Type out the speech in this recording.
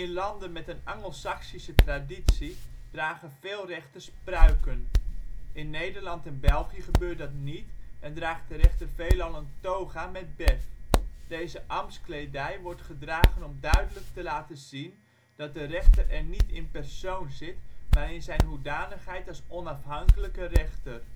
landen met een Angelsaksische traditie dragen veel rechters pruiken. In Nederland en België gebeurt dat niet en draagt de rechter veelal een toga met bef. Deze ambtskleding wordt gedragen om duidelijk te laten zien dat de rechter er niet in persoon zit, maar in zijn hoedanigheid als onafhankelijke rechter